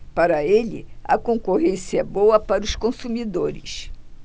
para ele a concorrência é boa para os consumidores